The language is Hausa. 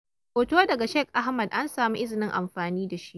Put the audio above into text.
Hoto daga Shakil Ahmed, an samu izinin amfani da shi.